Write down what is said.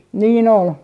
niin oli